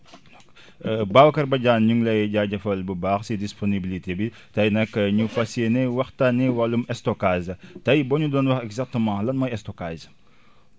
Babacar Badiane ñu ngi lay jaajëfal bu baax si disponibilité bi tey nag ñu fas yéene waxtaanee wàllum stockage tey boo ñu doon wax exactement lan mooy stockage